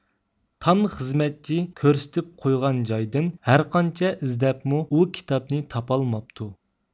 تام خىزمەتچى كۆرسىتىپ قويغان جايدىن ھەرقانچە ئىزدەپمۇ ئۇ كىتابنى تاپالماپتۇ